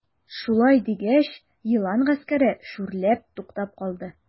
Шулай дигәч, елан гаскәре шүрләп туктап калды.